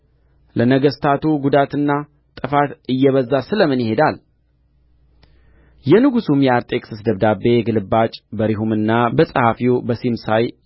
ለነገሥታቱ ጉዳትና ጥፋት እየበዛ ስለ ምን ይሄዳል የንጉሡም የአርጤክስስ ደብዳቤ ግልባጭ በሬሁምና በጸሐፊው በሲምሳይ